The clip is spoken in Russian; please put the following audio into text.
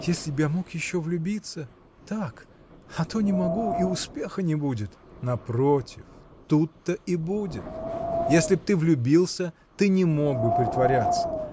– Если б я мог еще влюбиться – так? а то не могу. и успеха не будет. – Напротив, тут-то и будет. Если б ты влюбился ты не мог бы притворяться